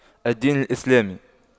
ألدين الإسلامي